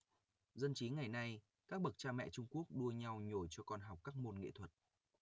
dân trí ngày nay các bậc cha mẹ trung quốc đua nhau nhồi cho con học các môn nghệ thuật